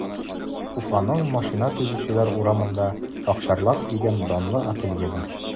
Уфаның Машина төзүчеләр урамында “Акчарлак” дигән данлы ателье бар.